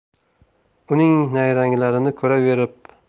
uning nayranglarini ko'raverib